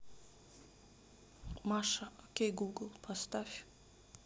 маша окей гугл поставь